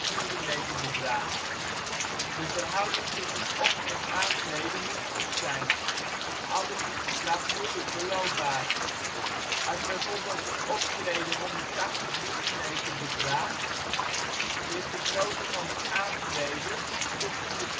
millimeter bedraagt. De verhouding tussen op - en aantrede moet goed zijn, anders is de trap moeilijk beloopbaar. Als bijvoorbeeld de optrede 180 mm (2 × 180 = 360 mm) bedraagt, ligt de grootte van de aantrede tussen de